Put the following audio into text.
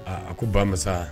Aa a ko ba